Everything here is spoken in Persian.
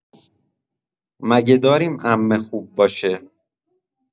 مگه داریم عمه خوب باشه؟